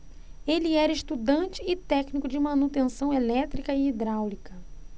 ele era estudante e técnico de manutenção elétrica e hidráulica